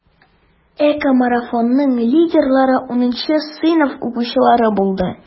ЭКОмарафонның лидерлары 10 сыйныф укучылары булды.